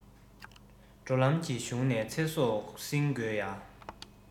འགྲོ ལམ གྱི གཞུང ནས ཚེ སྲོག བསྲིང དགོས ཡ